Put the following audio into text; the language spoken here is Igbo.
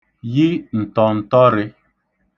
yi ǹtọ̀ǹtọrị̄